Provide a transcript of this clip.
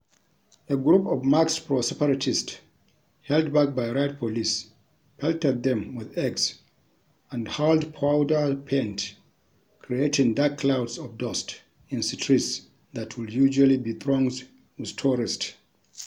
A group of masked pro-separatists held back by riot police pelted them with eggs and hurled powder paint, creating dark clouds of dust in streets that would usually be thronged with tourists.